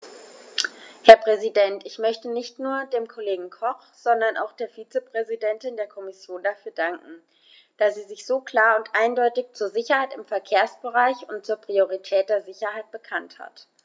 Herr Präsident, ich möchte nicht nur dem Kollegen Koch, sondern auch der Vizepräsidentin der Kommission dafür danken, dass sie sich so klar und eindeutig zur Sicherheit im Verkehrsbereich und zur Priorität der Sicherheit bekannt hat.